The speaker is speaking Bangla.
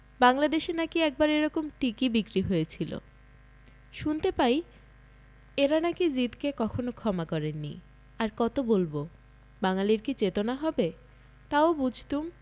বাঙলা দেশে নাকি একবার এরকম টিকি বিক্রি হয়েছিল শুনতে পাই এঁরা নাকি জিদকে কখনো ক্ষমা করেন নি আর কত বলব বাঙালীর কি চেতনা হবে তাও বুঝতুম